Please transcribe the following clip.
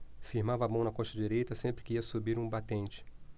firmava a mão na coxa direita sempre que ia subir um batente